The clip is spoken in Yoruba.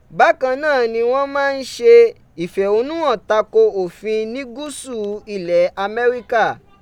Bakan naa ni wọn ma n ṣe ifẹhọnuhan tako ofin ni Guusu ilẹ̀ Amẹrika.